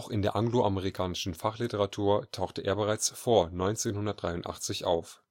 in der angloamerikanischen Fachliteratur tauchte er bereits vor 1983 auf